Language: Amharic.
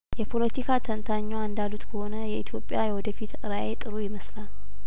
የፖለቲካ ተንታኟ እንዳሉት ከሆነ የኢትዮጲያ የወደፊት ራእይ ጥሩ ይመስላል